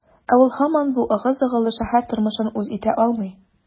Ә ул һаман бу ыгы-зыгылы шәһәр тормышын үз итә алмый.